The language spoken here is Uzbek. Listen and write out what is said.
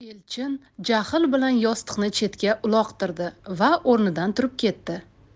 elchin jahl bilan yostiqni chetga uloqtirdi da o'rnidan turib ketdi